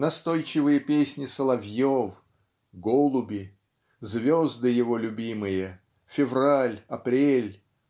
настойчивые песни соловьев голуби звезды его любимые февраль апрель